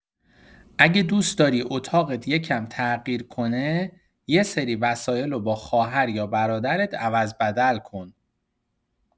اگه دوس داری اتاقت یه کم تغییر کنه، یه سری وسایلو با خواهر یا برادرت عوض‌بدل کن.